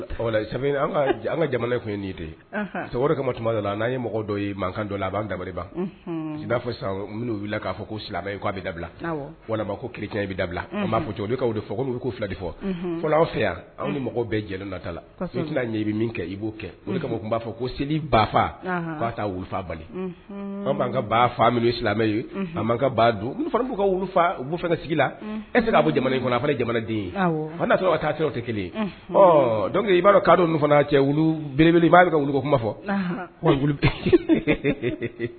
' jɔ a da b'a k fɔ ko da ko bɛ da fila fɛ yan anw ni bɛɛ jɛta bɛ min kɛ i b'o'a fɔ ko seli ba faa' wu faa bali an b'an ka faa min b' ka fana b' ka wu sigi la e tɛna' bɔ jamana a jamanaden'a ka taa tɛ kelen dɔnku i b'a dɔn' dɔn fana cɛ wu bbelebele b'a bɛ ka wu kuma fɔ